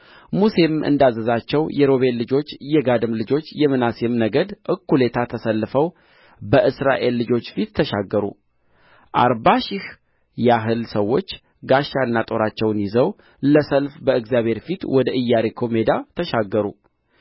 ሙሴም እንዳዘዛቸው የሮቤል ልጆች የጋድም ልጆች የምናሴም ነገድ እኩሌታ ተሰልፈው በእስራኤል ልጆች ፊት ተሻገሩ አርባ ሺህ ያህል ሰዎች ጋሻና ጦራቸውን ይዘው ለሰልፍ በእግዚአብሔር ፊት ወደ ኢያሪኮ ሜዳ ተሻገሩ